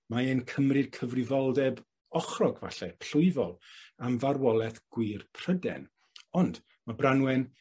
mae e'n cymryd cyfrifoldeb ochrog falle, plwyfol am farwoleth gwŷr Pryden. Ond ma' Branwen